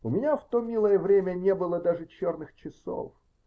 У меня в то милое время не было даже черных часов.